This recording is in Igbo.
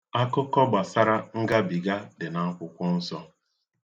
Akụkọ gbasara ngabiga dị akwụkwọ nsọ.